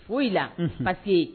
Foyi la. Unhun! parce que .